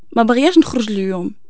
مباغاش نخرج ليوم